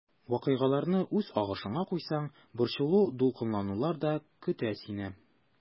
Вакыйгаларны үз агышына куйсаң, борчылу-дулкынланулар да көтә сине.